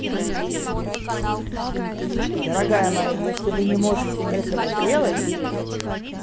дорогая моя если вы не можете этого делать